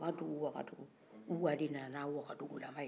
wagadu wagadu uwa de nana nin a wagadugu lam